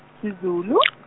-siZulu .